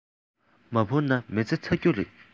མ འཕུར ན མི ཚེ ཚར རྒྱུ རེད